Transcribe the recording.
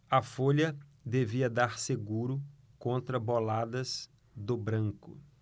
a folha devia dar seguro contra boladas do branco